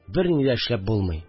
Берни дә эшләп булмый